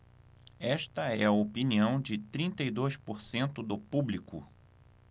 esta é a opinião de trinta e dois por cento do público